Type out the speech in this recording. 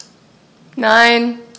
Nein.